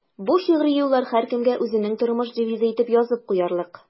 Бу шигъри юллар һәркемгә үзенең тормыш девизы итеп язып куярлык.